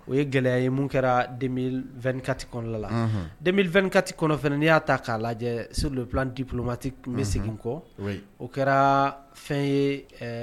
O ye gɛlɛya ye mun kɛra 2024 kɔnɔna la, unhun, 2024 kɔnɔ fana n'i y'a ta k'a lajɛ sur le plan diplomatique n bɛ segin n kɛ, oui , o kɛra fɛn ye ɛ